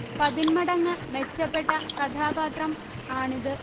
പതിന്മടങ്ങ് മെച്ചപ്പെട്ട കഥാപാത്രം ആണിത്